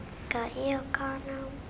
có yêu con hông